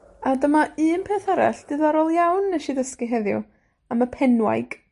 A dyma un peth arall ddiddorol iawn nesh i ddysgu heddiw am y penwaig.